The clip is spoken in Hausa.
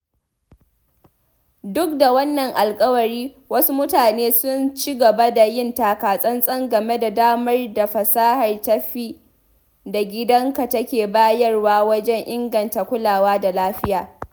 Duk da wannan alƙawari, wasu mutanen sun ci gaba da yin takatsantsan game da damar da fasahar tafi da gidanka take bayarwa wajen inganta kulawa da lafiya.